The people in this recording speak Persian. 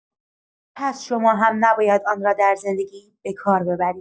پس شما هم نباید آن را در زندگی به کار ببرید.